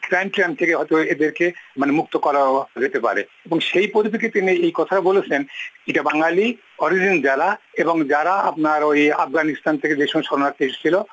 crime chain থেকে হয়তো এদেরকে মুক্ত করা যেতে পারে এবং সেই বোধ থেকে তিনি এই কথাটা বলেছেন বাঙালি অরিজিন যারা এবং যারা আফগানিস্থান থেকে যেসব শরণার্থী এসেছিল